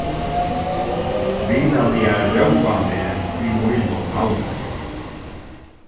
vinarliga rópa meg við mínum navni